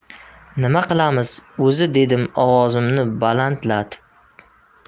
nima qilamiz o'zi dedim ovozimni balandlatib